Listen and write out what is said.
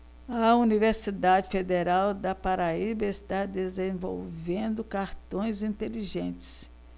a universidade federal da paraíba está desenvolvendo cartões inteligentes